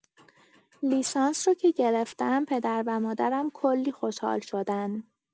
لیسانس رو که گرفتم، پدر و مادرم کلی خوشحال شدن.